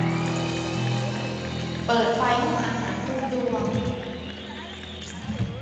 เปิดไฟห้องอาหารทุกดวง